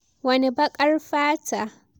Wani baƙar fata?!